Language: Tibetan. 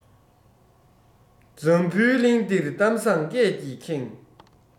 འཛམ བུའི གླིང འདིར གཏམ བཟང སྐད ཀྱིས ཁེངས